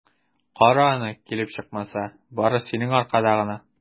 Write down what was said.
Кара аны, килеп чыкмаса, бары синең аркада гына!